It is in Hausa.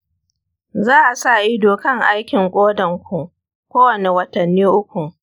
za a sa ido kan aikin kodan ku kowanne watanni uku.